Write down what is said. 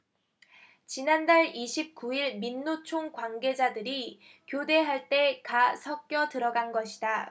지난달 이십 구 일 민노총 관계자들이 교대할 때 가 섞여 들어간 것이다